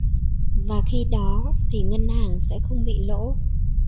và khi đó thì ngân hàng sẽ không bị lỗ